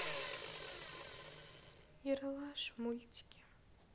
ералаш мультики